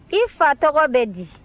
i fa tɔgɔ bɛ di